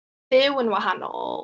Byw yn wahanol.